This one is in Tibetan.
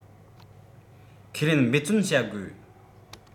ཁས ལེན འབད བརྩོན བྱ དགོས